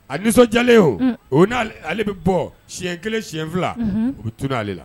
A nisɔndiyalen o o ale bɛ bɔ siɲɛ kelen si fila u bɛ tale la